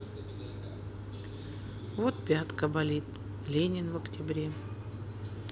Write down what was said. вот пятка болит ленин в октябре